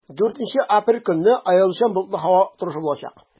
4 апрель көнне аязучан болытлы һава торышы булачак.